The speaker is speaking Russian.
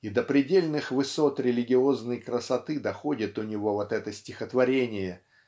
и до предельных высот религиозной красоты доходит у него вот это стихотворение